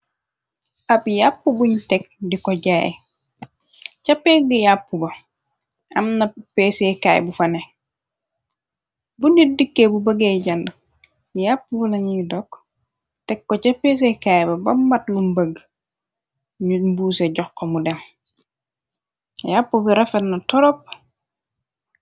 Ab yàppu buñ teg di ko jaay ci pegge yàppu ba amna pésékaay bu fa ne bu nit dikkee bu bëggey jànd yàpp bala nuy dokk teg ko ca pésékaay ba ba mat lu mbëgg ñu mbuuse joxxa mu dem yàppu bi rafet na toropp.